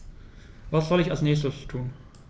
Was soll ich als Nächstes tun?